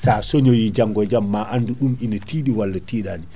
sa coñoyi janggo e jaam ma andu ɗum ina tiiɗi walla tiiɗani